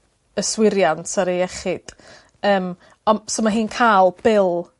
yswiriant ar ei iechyd yym on' so ma' hi'n ca'l bil